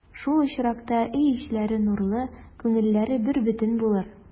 Шул очракта өй эчләре нурлы, күңелләре бербөтен булыр.